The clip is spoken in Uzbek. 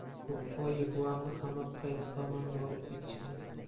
oyi buvamni qamab qaysi tomonga olib ketishgan